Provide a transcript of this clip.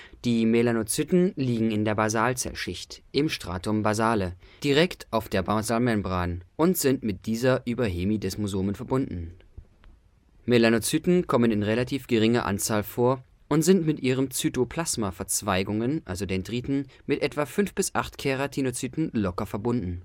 Die Melanozyten liegen in der Basalzellschicht (Stratum basale) direkt der Basalmembran auf und sind mit dieser über Hemidesmosomen verbunden. Melanozyten kommen in relativ geringer Anzahl vor und sind mit ihren Zytoplasma-Verzweigungen (Dendriten) mit etwa 5 – 8 Keratinozyten locker verbunden